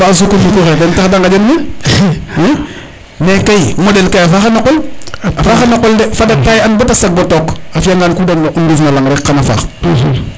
fo xa Soukou xe ten tax de ŋaƴan men mais kay moɗel kay a faxa no qol a faxa no qol de fada tailler an bata sag took a fiya ngan kunu ndalfona nduuf na a laŋ rek xana faax